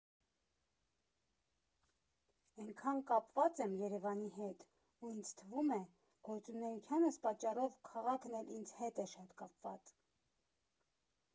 Էնքան կապված եմ Երևանի հետ, ու ինձ թվում է, գործունեությանս պատճառով քաղաքն էլ ինձ հետ է շատ կապված։